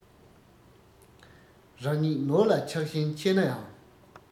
རང ཉིད ནོར ལ ཆགས ཞེན ཆེ ན ཡང